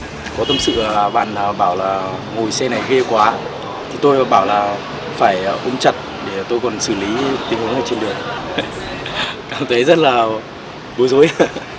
có tâm sự bạn bảo bảo là ngồi xe này ghê quá thì tôi bảo là phải ôm chặt để tôi còn xử lý tình huống trên đường cảm thấy rất là bối rối